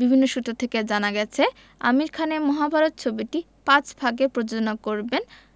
বিভিন্ন সূত্র থেকে জানা গেছে আমির খানের মহাভারত ছবিটি পাঁচ ভাগে প্রযোজনা করবেন